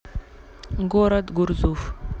город гурзуф